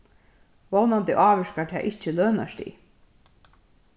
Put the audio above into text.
vónandi ávirkar tað ikki lønarstig